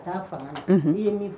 Taa fanga la; Unhun; Ni ye min